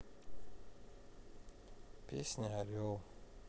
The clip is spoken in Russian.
песня орел